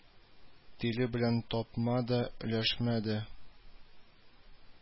Тиле белән тапма да, өләшмә дә